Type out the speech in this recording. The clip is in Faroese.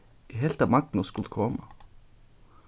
eg helt at magnus skuldi koma